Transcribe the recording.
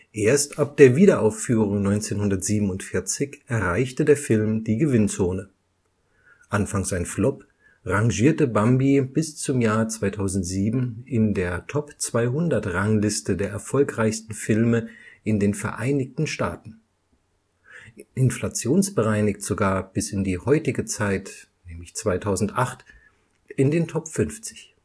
Erst ab der Wiederaufführung 1947 erreichte der Film die Gewinnzone. Anfangs ein Flop, rangierte Bambi bis zum Jahr 2007 in der Top-200-Rangliste der erfolgreichsten Filme in den Vereinigten Staaten; inflationsbereinigt sogar bis in die heutige Zeit (2008) in den Top 50.